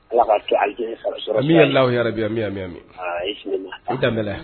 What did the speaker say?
Ye la yɛrɛ i daminɛ